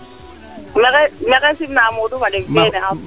maxey sim na Mdou fa leŋ feene